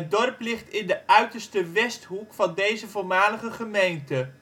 dorp ligt in de uiterste westhoek van deze voormalige gemeente